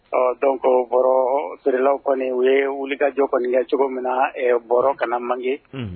Ɔ don baro sirierelaw kɔni u ye wulikajɔ kɔni ye cogo min na bɔ kana mange